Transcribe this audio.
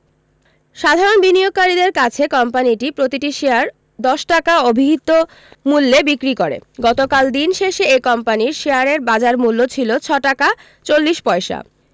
সাধারণ বিনিয়োগকারীদের কাছে কোম্পানিটি প্রতিটি শেয়ার ১০ টাকা অভিহিত মূল্যে বিক্রি করে গতকাল দিন শেষে এ কোম্পানির শেয়ারের বাজারমূল্য ছিল ৬ টাকা ৪০ পয়সা